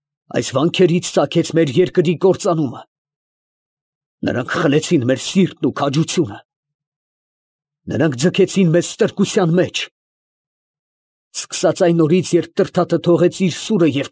Այս վանքերից ծագեց մեր երկրի կործանումը, նրանք խլեցին մեր սիրտը ու քաջությունը. նրանք ձգեցին մեզ ստրկության մեջ, սկսած այն օրից, երբ Տրդատը թողեց իր սուրը և։